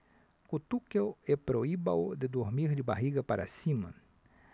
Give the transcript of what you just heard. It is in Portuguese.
cutuque-o e proíba-o de dormir de barriga para cima